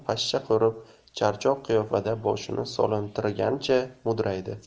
pashsha qo'rib charchoq qiyofada boshini solintirgancha mudraydi